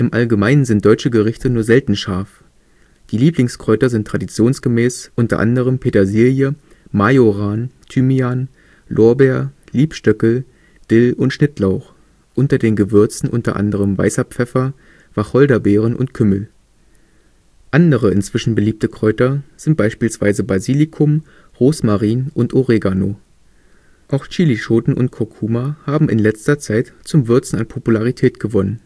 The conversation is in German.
Allgemeinen sind deutsche Gerichte nur selten scharf – die Lieblingskräuter sind traditionsgemäß unter anderem Petersilie, Majoran, Thymian, Lorbeer, Liebstöckel, Dill und Schnittlauch, unter den Gewürzen unter anderem weißer Pfeffer, Wacholderbeeren und Kümmel. Andere inzwischen beliebte Kräuter sind beispielsweise Basilikum, Rosmarin, Oregano. Auch Chilischoten und Kurkuma haben in letzter Zeit zum Würzen an Popularität gewonnen